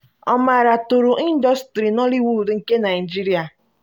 Omarah toro ndọstrị Nollywood nke Naịjirịa.